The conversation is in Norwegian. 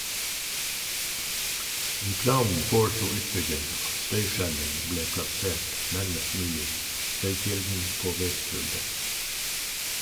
I planen foreslo utbyggeren at støyskjerming ble plassert nærmest mulig støykilden, på veiskulderen.